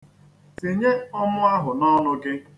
Tinye ọmụ ahụ n'ọnụ gị.